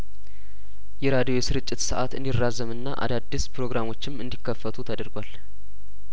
የራዲዮ የስርጭት ሰአት እንዲ ራዘምና አዳዲስ ፕሮግራሞችም እንዲከፈቱ ተደርጓል